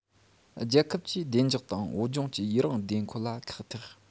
རྒྱལ ཁབ ཀྱི བདེ འཇགས དང བོད ལྗོངས ཀྱི ཡུན རིང བདེ འཁོད ལ ཁག ཐེག